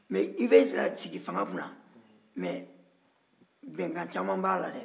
mais i bɛna sigi fanga kunna mais bɛnka caman b'a la dɛ